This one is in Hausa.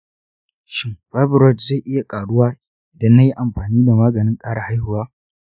shin fibroid zai iya ƙaruwa idan na yi amfani da maganin ƙara haihuwa?